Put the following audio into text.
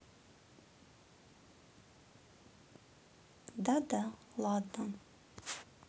да да ладно